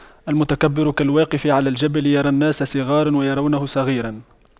المتكبر كالواقف على الجبل يرى الناس صغاراً ويرونه صغيراً